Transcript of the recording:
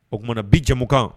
O kumana bi jamukan